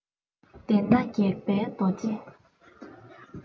དེས ན སྒེག པའི རྡོ རྗེ